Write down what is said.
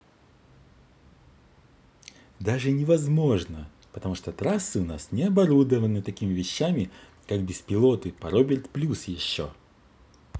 даже невозможно потому что трассы у нас не оборудованы такими вещами как без пилоты по robert плюс еще